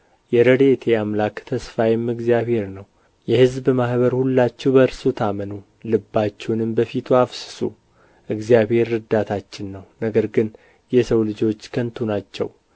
የረድኤቴ አምላክ ተስፋዬም እግዚአብሔር ነው የሕዝብ ማኅበር ሁላችሁ በእርሱ ታመኑ ልባችሁንም በፊቱ አፍስሱ እግዚአብሔር ረዳታችን ነው ነገር ግን የሰው ልጆች ከንቱ ናቸው